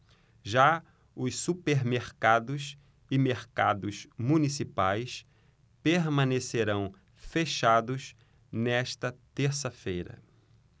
já os supermercados e mercados municipais permanecerão fechados nesta terça-feira